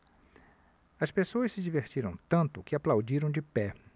as pessoas se divertiram tanto que aplaudiram de pé